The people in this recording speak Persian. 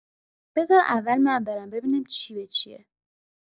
بزار اول من برم ببینم چی به چیه